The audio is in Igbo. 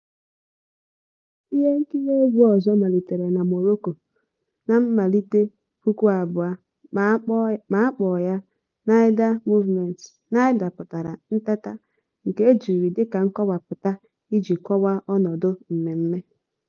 Ihe nkiri egwu ọzọ malitere na Morocco na mmalite 2000 ma a kpọrọ ya 'Nayda movement' ("nayda" pụtara "nteta", nke e jiri dịka nkọwapụta iji kọwaa ọnọdụ mmemme).